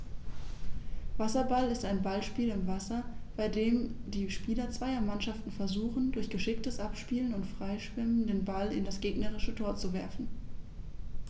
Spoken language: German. Wasserball ist ein Ballspiel im Wasser, bei dem die Spieler zweier Mannschaften versuchen, durch geschicktes Abspielen und Freischwimmen den Ball in das gegnerische Tor zu werfen.